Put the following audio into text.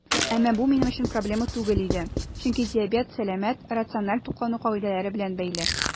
Әмма бу минем өчен проблема түгел иде, чөнки диабет сәламәт, рациональ туклану кагыйдәләре белән бәйле.